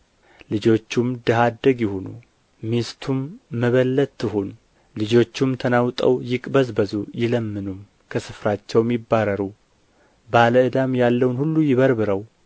ልጆቹም ድሀ አደግ ይሁኑ ሚስቱም መበለት ትሁን ልጆቹም ተናውጠው ይቅበዝበዙ ይለምኑም ከስፍራቸውም ይባረሩ ባለዕዳም ያለውን ሁሉ ይበርብረው